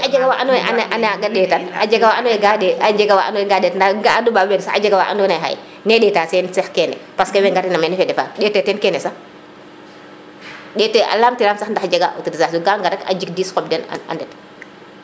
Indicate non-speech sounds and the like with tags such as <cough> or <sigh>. i a jega wa ando naye <crosstalk> a a nanga ndetan a jega wa ando naye <crosstalk> nga nde a jega wa ando naye ga ndetan nda ga a doumbaw we sax a jega wa ando naye xaye ne ndeta sen sax kene parce que we ngar ina mene fedefaax ndete teen kene sax ndete laam tiram sax ndax jega autorisation ka ngar rek a njik 10 xoɓa ndet